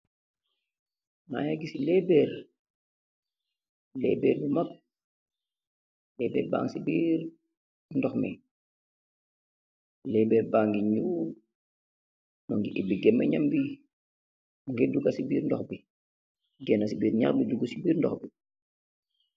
Maangy giss lehberre, lehberre bu mak, lehberre bang cii birr ndoh mii, lehberre bangy njull, mungy oubi gehmengh njam bii, mungeh duga cii birr ndoh bii, gehna cii birr njaa bi dii dugu cii birrr ndoh bii.